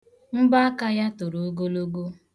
Mbọaka ya toro ogologo.